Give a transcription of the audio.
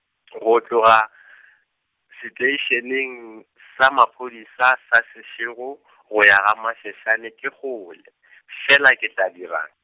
go tloga , seteišeneng, sa maphodisa sa Seshego , go ya gaMashashane ke kgole , fela ke tla dirang?